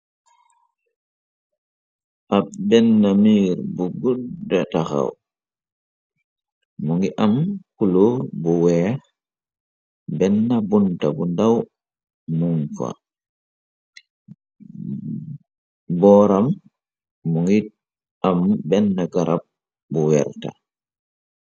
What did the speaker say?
Ab benna miir bu gudda taxaw mu ngi am kulu bu weex benna bunta bu ndaw mum fa booram mu ngi am benne garab bu werta.